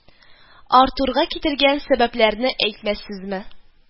Артурга китергә сәбәпләрне әйтмәссезме